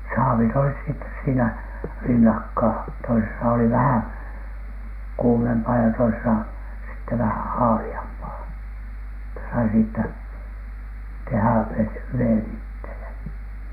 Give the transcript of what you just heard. saavit olivat sitten siinä rinnakkain toisessa oli vähän kuumempaa ja toisessa sitten vähän haaleampaa että sai siitä tehdä - veden itselle